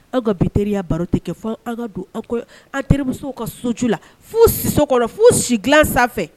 Aw ka bi teriya baro tɛ kɛ fo ka don aw an terimuso ka so la si kɔnɔ fu si sanfɛ